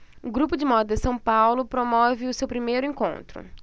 o grupo de moda são paulo promove o seu primeiro encontro